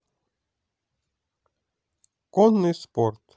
конный спорт